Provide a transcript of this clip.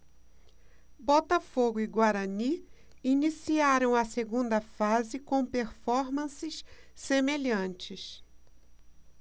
botafogo e guarani iniciaram a segunda fase com performances semelhantes